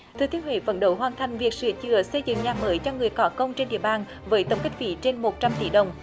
thừa thiên huế phấn đấu hoàn thành việc sửa chữa xây dựng nhà mới cho người có công trên địa bàn với tổng kinh phí trên một trăm tỷ đồng